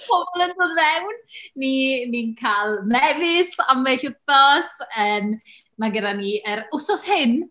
Pobl yn dod fewn, ni ni'n cael mefus, ambell wythnos. Yym, mae genna ni, yr wythnos hyn...